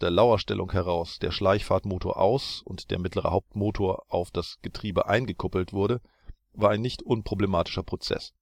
Lauerstellung heraus der Schleichfahrtmotor aus - und der mittlere Hauptmotor auf das Getriebe eingekuppelt wurde, war ein nicht unproblematischer Prozess